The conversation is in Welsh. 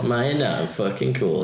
Mae hynna yn fucking cŵl.